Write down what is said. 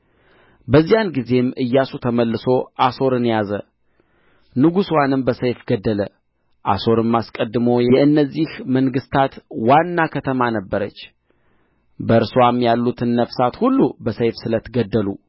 በዚያን ጊዜም ኢያሱ ተመልሶ አሶርን ያዘ ንጉሥዋንም በሰይፍ ገደለ አሶርም አስቀድሞ የእነዚህ መንግሥታት ዋና ከተማ ነበረች በእርስዋም ያሉትን ነፍሳት ሁሉ በሰይፍ ስለት ገደሉ